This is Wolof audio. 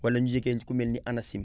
wala ñu jege ku mel ni ANACIM